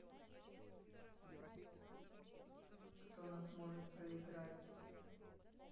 кто нас может проиграть